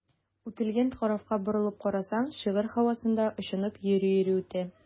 Үтелгән тарафка борылып карасаң, шигырь һавасында очынып йөри-йөри үтә.